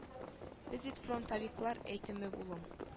Без бит фронтовиклар әйтеме улым